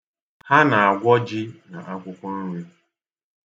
Ha na-agwọ ji na akwụkwọ nri